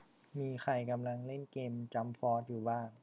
มีใครกำลังเล่นเกมจั้มฟอสอยู่บ้าง